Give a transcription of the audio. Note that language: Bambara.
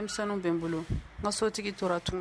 Denmisɛnninw bɛ n bolo ŋa sotigi tora tuŋa